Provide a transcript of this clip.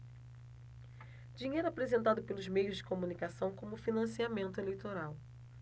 dinheiro apresentado pelos meios de comunicação como financiamento eleitoral